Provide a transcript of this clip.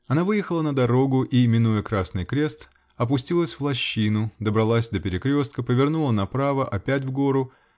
Она выехала на дорогу и, минуя красный крест, опустилась в лощину, добралась до перекрестка, повернула направо, опять в гору.